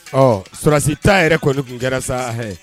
Ɔ sɔlasi t'a yɛrɛ kɔni tun kɛra sa a hakɛ